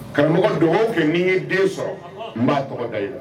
Karamɔgɔ duwawu kɛ ni n ye den sɔrɔ ɔnhɔn n b'a tɔgɔ da i la